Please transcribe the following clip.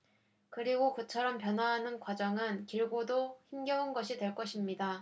그리고 그처럼 변화하는 과정은 길고도 힘겨운 것이 될 것입니다